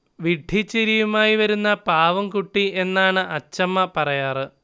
വിഡ്ഢിച്ചിരിയുമായി വരുന്ന പാവംകുട്ടി എന്നാണ് അച്ഛമ്മ പറയാറ്